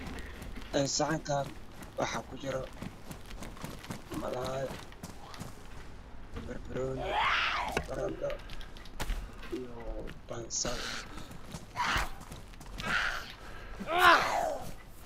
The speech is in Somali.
Ee saxankan waxaa ku jiro Malalay barbarooni barandho iyo basal